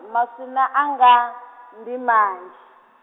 maswina anga, ndi manzhi.